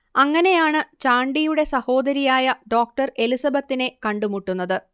അങ്ങനെയാണ് ചാണ്ടിയുടെ സഹോദരിയായ ഡോക്ടർ എലിസബത്തിനെ കണ്ടു മുട്ടുന്നത്